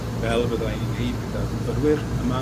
fel y bydda i n neud gyda'r myfyrwyr yma